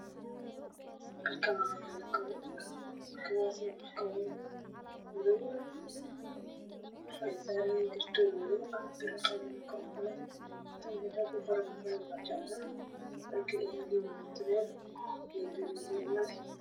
Waa labo kabood oo madow ah oo ah kaba niman oo saaran liis cadaan oo dhalo ah